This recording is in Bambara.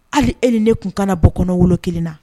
Hali e ni ne tun kana bɔ kɔnɔwolo 1 na